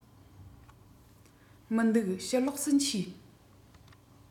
མི འདུག ཕྱི ལོགས སུ མཆིས